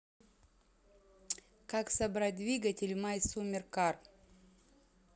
как собрать двигатель в my summer car